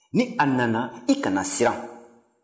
ni a nana i kana siran